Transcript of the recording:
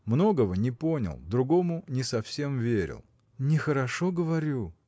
многого не понял, другому не совсем верил. Нехорошо говорю!